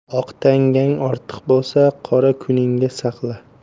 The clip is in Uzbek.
oq tangang ortiq bo'lsa qora kuningga saqla